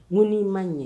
Mun ni'i man n ɲɛ